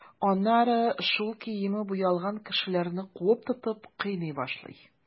Аннары шул киеме буялган кешеләрне куып тотып, кыйный башлый.